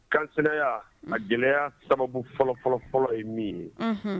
Kansinaya a gɛlɛya sababu fɔlɔ fɔlɔ fɔlɔ ye min ye, unhun